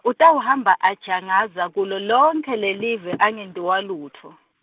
Utawuhamba ajangaza, kulo lonkhe lelive, angentiwa lutfo.